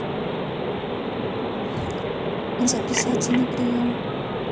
записаться на прием